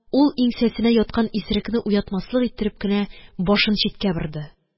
Ул иңсәсенә яткан исерекне уятмаслык иттереп кенә башын читкә борды.